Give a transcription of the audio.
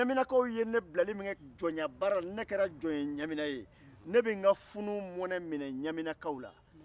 ɲaminakaw ne bilali min kɛ jɔnyabaara la ni ne kɛra jɔn ye ɲamina ye ne bɛ n ka funu mɔnɛ mnɛ ɲaminakaw la